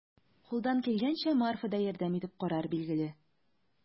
Кулдан килгәнчә Марфа да ярдәм итеп карар, билгеле.